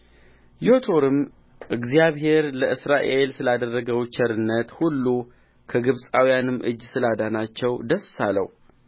ዮቶርም እግዚአብሔር ለእስራኤል ስላደረገው ቸርነት ሁሉ ከግብፃውያንም እጅ ስላዳናቸው ደስ አለው